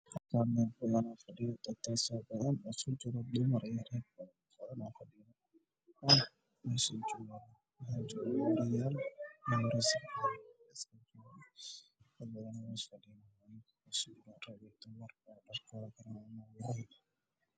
Waa dad badan oo meel fadhiyo naagta usoo horeyo waxay wataan Xijaab gaduud ah